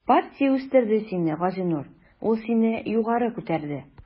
Партия үстерде сине, Газинур, ул сине югары күтәрде.